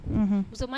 Un